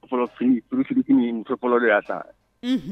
Fɔlɔfin pfiinin muso fɔlɔ de y'a ta